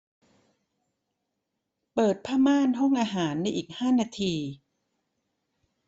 เปิดผ้าม่านห้องอาหารในอีกห้านาที